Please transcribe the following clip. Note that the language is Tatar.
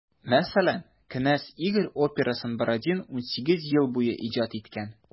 Мәсәлән, «Кенәз Игорь» операсын Бородин 18 ел буе иҗат иткән.